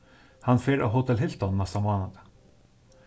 hann fer á hotel hilton næsta mánadag